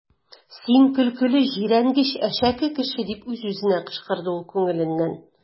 Син көлкеле, җирәнгеч, әшәке кеше! - дип үз-үзенә кычкырды ул күңеленнән.